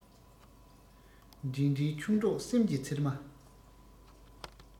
འདྲིས འདྲིས ཆུང གྲོགས སེམས ཀྱི ཚེར མ